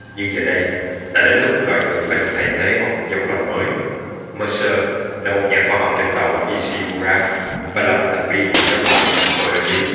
nhưng giờ đây đã đến lúc loài người phải được thay thế bằng một giống loài mới mercer là một nhà khoa học trên tàu ishimura và là một thành viên của giáo hội unitology